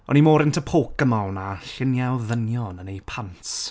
O'n i mor into Pokemon a lluniau o ddynion yn ei pants.